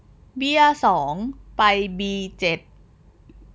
เบี้ยสองไปบีเจ็ด